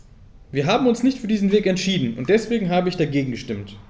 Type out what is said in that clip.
Wir haben uns nicht für diesen Weg entschieden, und deswegen habe ich dagegen gestimmt.